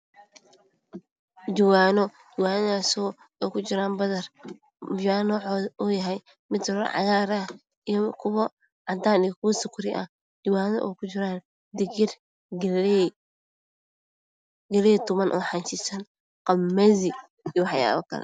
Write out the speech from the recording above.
Juwaano juwanadsooo ay ku jiraan badar juwano nocoda u yahay mid cagar ah iyo kuwo cadaan ah iyo kuwa sugri ah juwano o ku jiraan digir galey tuman o xajisan qamdi iyo waxyabo kale